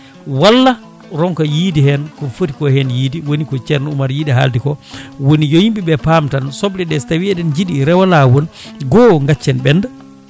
walla ronka yiide hen ko footi ko hen yiide woni ko ceerno Oumar yiiɗi haalde ko woni yo yimɓeɓe paam tan sobleɗe so tawi eɗen jiiɗi rewa lawol goho gaccen ɓenda